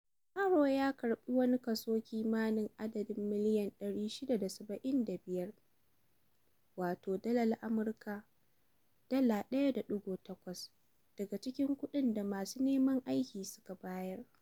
Moro ya karɓi wani kaso kimanin adadin naira miliyan 675 [wato dalar Amurka $1.8] daga cikin kuɗin da masu neman aikin suka biya.